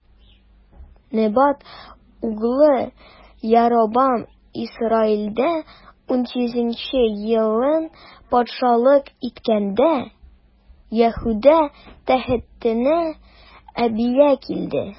Небат углы Яробам Исраилдә унсигезенче елын патшалык иткәндә, Яһүдә тәхетенә Абия килде.